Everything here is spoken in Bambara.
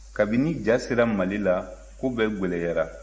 kabini ja sera mali la ko bɛɛ gwɛlɛyara